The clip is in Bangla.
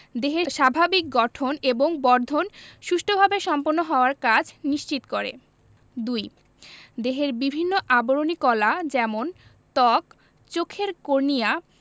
দেহের স্বাভাবিক গঠন এবং বর্ধন সুষ্ঠুভাবে সম্পন্ন হওয়ার কাজ নিশ্চিত করে ২. দেহের বিভিন্ন আবরণী কলা যেমন ত্বক চোখের কর্নিয়া